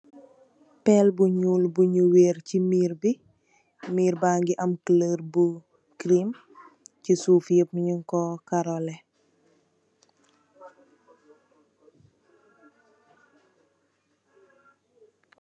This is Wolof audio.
Pell bu nuul bunu werr se merebe mere bage am coloor bu creme se suuf yep nugku karoule.